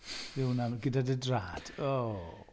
Mewn yna, gyda dy draed ow.